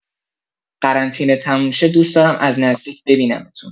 قرنطینه تموم شه دوست دارم از نزدیک ببینمتون